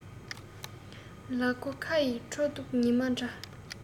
ལ མགོའི ཁ ཡི ཁྲི གདུགས ཉི མ འདྲ